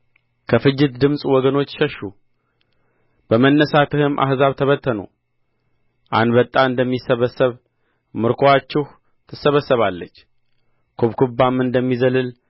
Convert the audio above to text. ከፍጅት ድምፅ ወገኖች ሸሹ በመነሣትህም አሕዛብ ተበተኑ አንበጣ እንደሚሰበስብ ምርኮአችሁ ትሰበሰባለች ኩብኩባም እንደሚዘልል